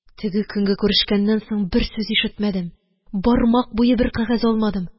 Теге көнге күрешкәннән соң бер сүз ишетмәдем, бармак буе бер кәгазь алмадым..